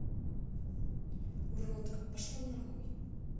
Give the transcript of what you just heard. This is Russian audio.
уродка пошла нахуй